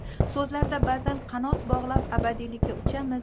sozlarda bazan qanot boglab abadiylikka uchamiz